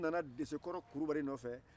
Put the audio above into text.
k'u nana dɛsɛkɔrɔ kulubali nɔfɛ